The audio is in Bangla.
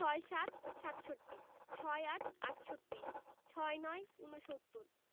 ৬৭ – সাতষট্টি ৬৮ – আটষট্টি ৬৯ – ঊনসত্তর